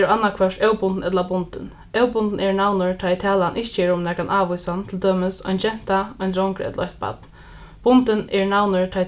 eru annaðhvørt óbundin ella bundin óbundin eru navnorð tá ið talan ikki er um nakran ávísan til dømis ein genta ein drongur ella eitt barn bundin eru navnorð tá ið